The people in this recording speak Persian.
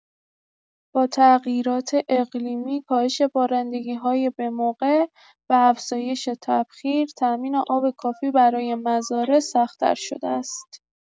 با تغییرات اقلیمی، کاهش بارندگی‌های به‌موقع و افزایش تبخیر، تأمین آب کافی برای مزارع سخت‌تر شده است.